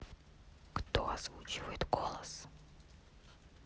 кто озвучивает голос